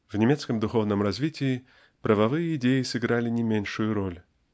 В немецком духовном развитии правовые идеи сыграли не меньшую роль.